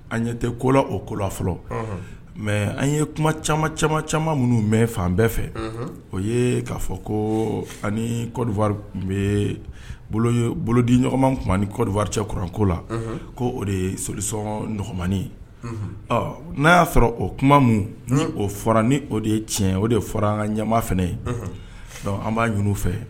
An ɲɛ tɛ kola o kola fɔlɔ mɛ an ye kuma caman c c minnu mɛn fan bɛɛ fɛ o ye k'a fɔ ko ani bɛdi ɲɔgɔnman ni kowacɛ kuranko la ko o de ye sosɔnma n'a y'a sɔrɔ o kuma minnu o fɔra ni o de ye tiɲɛ o de fɔra an ka ɲama fana ye an b'a ɲinin fɛ